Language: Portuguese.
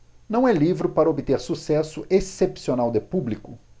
não é livro para obter sucesso excepcional de público